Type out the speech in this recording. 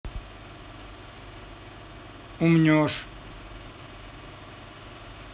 умнешь